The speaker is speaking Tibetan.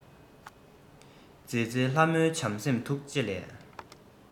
མཛེས མཛེས ལྷ མོའི བྱམས སེམས ཐུགས རྗེ ལས